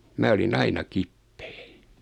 minä olin aina kipeä